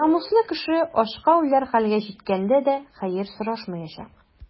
Намуслы кеше ачка үләр хәлгә җиткәндә дә хәер сорашмаячак.